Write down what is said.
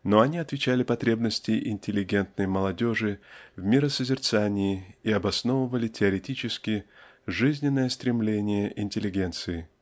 но они отвечали потребности интеллигентной молодежи в миросозерцании и обосновывали теоретически жизненные стремления интеллигенции